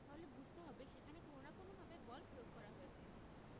তাহলে বুঝতে হবে সেখানে কোনো না কোনোভাবে বল প্রয়োগ করা হয়েছে